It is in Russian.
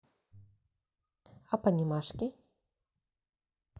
а понимашки